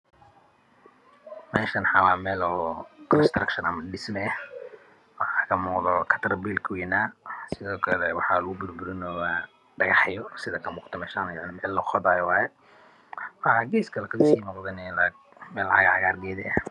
Halkan waa mel dhismo kasocoto waxaa kamuqdo karbiil waxeyn jabina dhagax